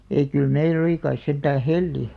ei kyllä meillä oli kai sentään hella